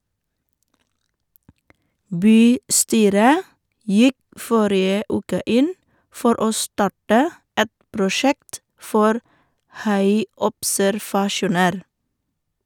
Bystyret gikk forrige uke inn for å starte et prosjekt for haiobservasjoner.